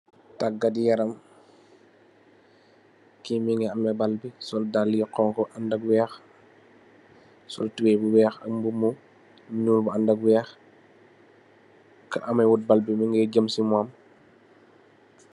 Taagati yaram, kii mungy ameh bal bii, sol daalu yu honhu aandak wekh, sol tubeiyy bu wekh ak mbubu bu njull mu aandak wekh, kah ameh wut bal bii mungeh jeum cii mom.